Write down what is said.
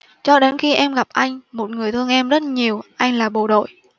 cho đến khi em gặp anh một người thương em rất nhiều anh là bộ đội